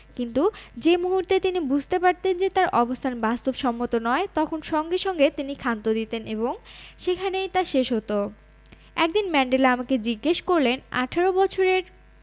কিন্তু যে মুহূর্তে তিনি বুঝতে পারতেন যে তাঁর অবস্থান বাস্তবসম্মত নয় তখন সঙ্গে সঙ্গে তিনি ক্ষান্ত দিতেন এবং সেখানেই তা শেষ হতো একদিন ম্যান্ডেলা আমাকে জিজ্ঞেস করলেন ১৮ বছরের